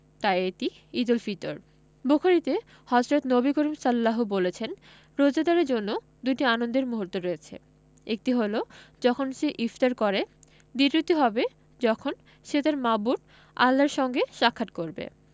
তাই এটি ঈদুল ফিতর বুখারিতে হজরত নবী করিম সা বলেছেন রোজাদারের জন্য দুটি আনন্দের মুহূর্ত রয়েছে একটি হলো যখন সে ইফতার করে দ্বিতীয়টি হবে যখন সে তাঁর মাবুদ আল্লাহর সঙ্গে সাক্ষাৎ করবে